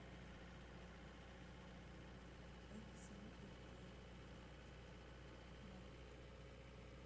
эдисон играет в фортнайт